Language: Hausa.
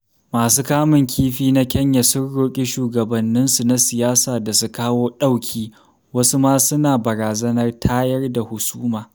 Masu kamun kifi na Kenya sun roƙi shugabanninsu na siyasa da su kawo ɗauki, wasu ma suna barazanar tayar da husuma.